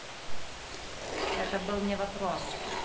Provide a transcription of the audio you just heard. это был не вопрос